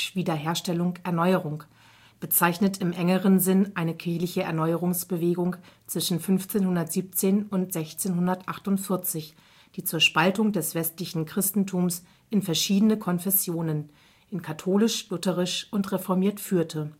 Wiederherstellung, Erneuerung “) bezeichnet im engeren Sinn eine kirchliche Erneuerungsbewegung zwischen 1517 und 1648, die zur Spaltung des westlichen Christentums in verschiedene Konfessionen (katholisch, lutherisch, reformiert) führte